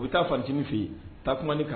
U bi taa facinin fe yen taa kuma ni